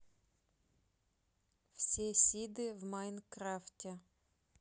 все сиды в майнкрафте